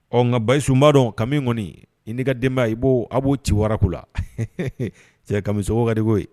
Ɔ nka basis bba dɔn ka min kɔni i n'i ka denba i b' aw b'o ci wara la cɛ kamiso de b'o yen